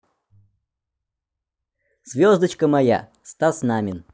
звездочка моя ясная стас намин